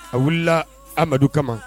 A wulila Amadu kama